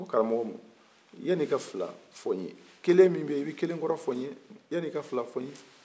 a ko karamɔgɔ ma yani ka fila fɔ n ye kelen min bɛ in o kɔrɔfɔ ye